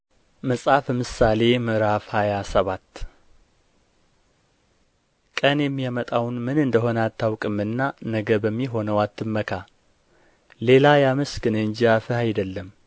መጽሐፈ ምሳሌ ምዕራፍ ሃያ ሰባት ቀን የሚያመጣውን ምን እንደ ሆነ አታውቅምና ነገ በሚሆነው አትመካ ሌላ ያመስግንህ እንጂ አፍህ አይደለም